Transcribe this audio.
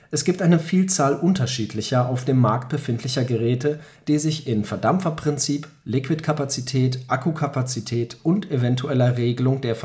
Es gibt eine Vielzahl unterschiedlicher auf dem Markt befindlicher Geräte die sich in Verdampferprinzip, Liquidkapazität, Akkukapazität und eventueller Regelung der